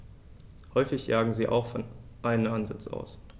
Häufig jagen sie auch von einem Ansitz aus.